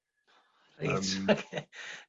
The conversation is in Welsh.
Reit. Yym. Oce.